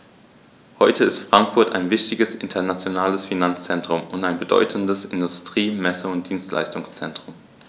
Heute ist Frankfurt ein wichtiges, internationales Finanzzentrum und ein bedeutendes Industrie-, Messe- und Dienstleistungszentrum.